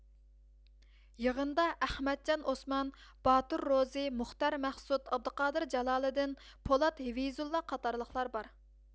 يىغىندا ئەخمەتجان ئوسمان باتۇر روزى مۇختار مەخسۇت ئابدۇقادىر جالالىدىن پولات ھېۋزۇللا قاتارلىقلار بار